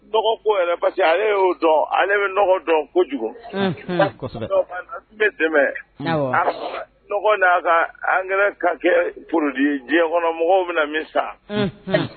Dɔgɔ ko ale y'o dɔn ale bɛ dɔgɔ dɔn kojugu n bɛ dɛmɛ dɔgɔ ka an kɛra ka kɛ porodi diɲɛ kɔnɔ mɔgɔw bɛ min sa